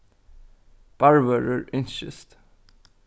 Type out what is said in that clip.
barrvørður ynskist